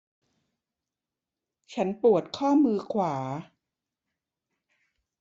ฉันปวดข้อมือขวา